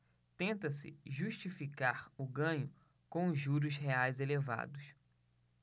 tenta-se justificar o ganho com os juros reais elevados